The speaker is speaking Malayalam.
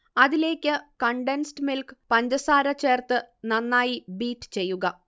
അതിലേക്ക് കൺഡസ്ഡ് മിൽക്ക്, പഞ്ചസാര ചേർത്ത് നന്നായി ബീറ്റ് ചെയ്യുക